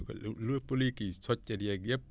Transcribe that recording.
lépp luy kii soccat yeeg yépp